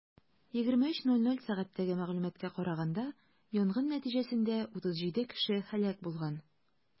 23:00 сәгатьтәге мәгълүматка караганда, янгын нәтиҗәсендә 37 кеше һәлак булган.